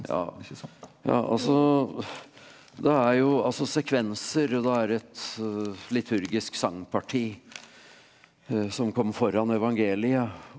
ja ja altså det er jo altså sekvenser og det er et liturgisk sangparti som kom foran evangeliet.